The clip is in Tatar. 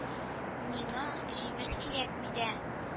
– миңа җимеш кирәкми дә